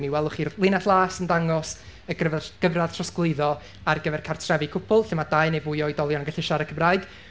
Mi welwch chi'r linell las yn dangos y gryfa- y gyfradd trosglwyddo ar gyfer cartrefi cwpwl, lle ma' dau neu fwy o oedolion yn gallu siarad Cymraeg.